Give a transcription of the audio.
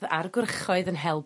a'r gwrchoedd yn hel